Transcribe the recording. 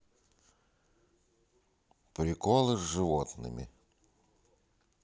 приколы с животными